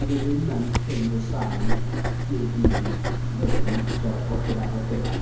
Bydd e ddim yn ffeil sain deg munud fel 'yn tibod, o'r cyfarfod cyfan.